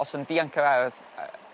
os yn dianc yr ardd yy